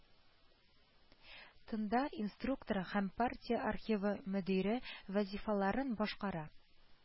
Тында инструктор һәм партия архивы мөдире вазифаларын башкара